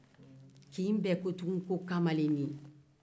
kin bɛɛ ko tugun kamalennin